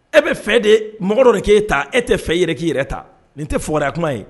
E bɛ fɛn de mɔgɔ dɔ de k'e ta e tɛ fɛ yɛrɛ k'i yɛrɛ ta nin tɛ fya kuma ye